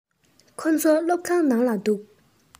ཁོ ཚོ སློབ ཁང ནང ལ འདུག